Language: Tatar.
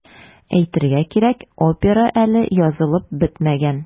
Әйтергә кирәк, опера әле язылып бетмәгән.